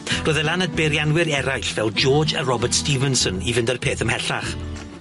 Roedd e lan at beirianwyr eraill fel George a Robert Stevenson i fynd â'r peth ymhellach.